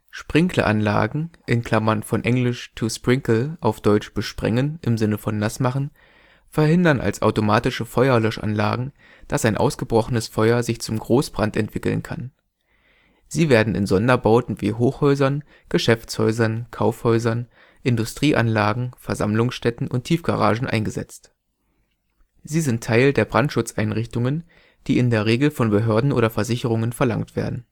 Sprinkleranlagen (von Englisch to sprinkle besprengen (nass machen)) verhindern als automatische Feuerlöschanlagen, dass ein ausgebrochenes Feuer sich zum Großbrand entwickeln kann. Sie werden in Sonderbauten wie Hochhäusern, Geschäftshäusern, Kaufhäusern, Industrieanlagen, Versammlungsstätten und Tiefgaragen eingesetzt. Sie sind Teil der Brandschutzeinrichtungen, die in der Regel von Behörden oder Versicherungen verlangt werden